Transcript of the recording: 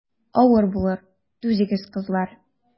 Авыр булыр, түзегез, кызлар.